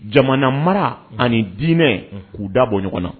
Jamana mara ani diinɛ unhun k'u da bɔ ɲɔgɔn na